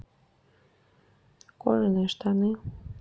кожаные штаны